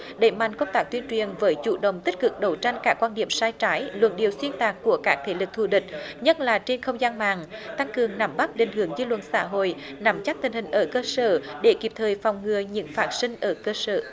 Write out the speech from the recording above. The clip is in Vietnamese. đẩy mạnh công tác tuyên truyền với chủ động tích cực đấu tranh cả quan điểm sai trái luận điệu xuyên tạc của các thế lực thù địch nhất là trên không gian mạng tăng cường nắm bắt định hướng dư luận xã hội nắm chắc tình hình ở cơ sở để kịp thời phòng ngừa những phát sinh ở cơ sở